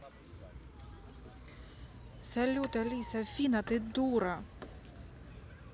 салют алиса афина ты дура